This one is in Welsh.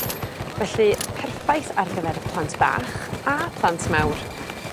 Felly perffaith ar gyfer y plant bach a plant mawr.